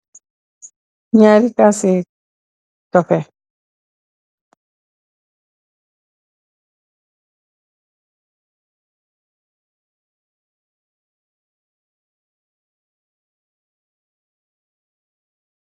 Nyeri kassi kaffe